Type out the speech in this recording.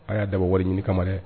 A y'a dabɔ wari ɲini kama